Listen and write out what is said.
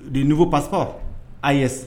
De ye n paskɔ a ye